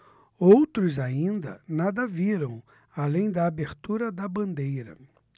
outros ainda nada viram além da abertura da bandeira